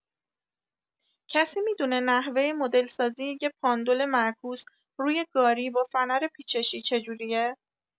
کسی می‌دونه نحوه مدلسازی یه پاندول معکوس روی گاری با فنر پیچشی چجوریه؟